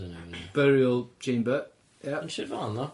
Burial Chamber. Ia? Yn Sir Fôn ddo?